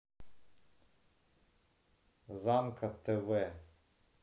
замка тв